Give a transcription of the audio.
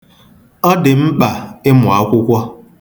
Ọ dị mkpa ịmụ akwụkwọ.